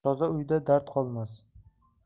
toza uyda dard qolmas